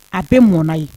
A bɛ mɔn ye